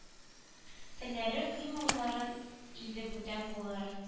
Телләре көй-моңнарын инде бүтән булыр